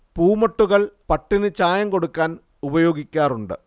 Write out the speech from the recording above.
പൂമൊട്ടുകൾ പട്ടിന് ചായം കൊടുക്കാൻ ഉപയോഗിക്കാറുണ്ട്